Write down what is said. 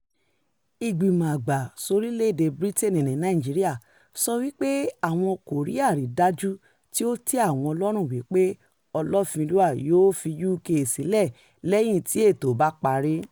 Ìgbìmọ̀ Àgbà Sórílẹ̀-èdè Britain ní Nàìjíríà sọ wípé àwọn kò “sí àrídájú” tí ó tẹ̀ àwọn lọ́rùn wípé Ọlọ́finlúà yóò fi UK sílẹ̀ lẹ́yìn tí ètó bá parí.